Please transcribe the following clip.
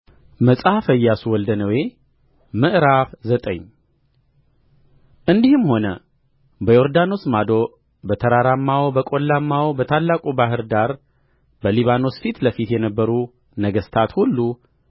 መጽሐፈ ኢያሱ ወልደ ነዌ ምዕራፍ ዘጠኝ እንዲህም ሆነ በዮርዳኖስ ማዶ በተራራማው በቈላውም በታላቁ ባሕር ዳር በሊባኖስም ፊት ለፊት የነበሩ ነገሥታት ሁሉ